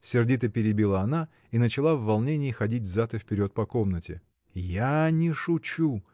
— сердито перебила она и начала в волнении ходить взад и вперед по комнате. — Я не шучу!